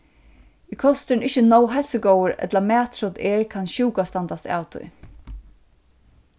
er kosturin ikki nóg heilsugóður ella mattrot er kann sjúka standast av tí